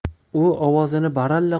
u ovozini baralla